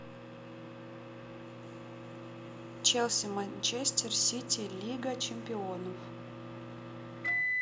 челси манчестер сити лига чемпионов